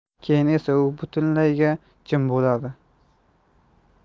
keyin esa u butunlayga jim bo'ladi